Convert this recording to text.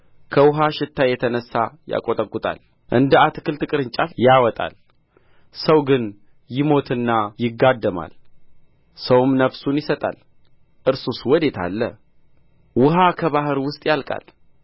ከውኃ ሽታ የተነሣ ያቈጠቍጣል እንደ አትክልት ቅርንጫፍ ያወጣል ሰው ግን ይሞትና ይጋደማል ሰውም ነፍሱን ይሰጣል እርሱስ ወዴት አለ ውኃ ከባሕር ውስጥ ያልቃል